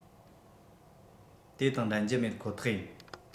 དེ དང འགྲན རྒྱུ མེད ཁོ ཐག ཡིན